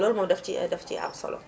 loolu moom dafa ciy dafa ciy am solo